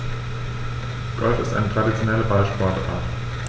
Golf ist eine traditionelle Ballsportart.